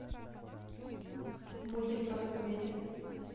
мультик про косметику